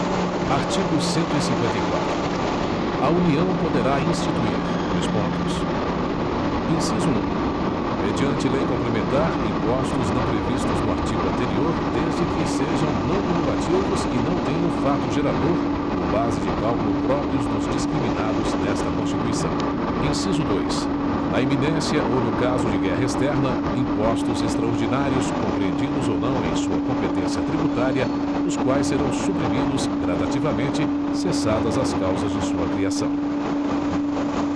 artigo cento e cinquenta e quatro a união poderá instituir dois pontos inciso um mediante lei complementar impostos não previstos no artigo anterior desde que sejam não cumulativos e não tenham fato gerador ou base de cálculo próprios dos discriminados nesta constituição inciso dois na iminência ou no caso de guerra externa impostos extraordinários compreendidos ou não em sua competência tributária os quais serão suprimidos gradativamente cessadas as causas de sua criação